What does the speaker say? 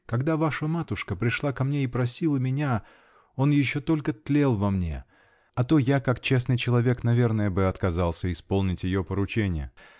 Когда ваша матушка пришла ко мне и просила меня -- он еще только тлел во мне -- а то я, как честный человек, наверное бы отказался исполнить ее поручение .